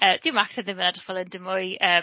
Yy dyw Macsen ddim yn edrych fel hyn dim mwy yym...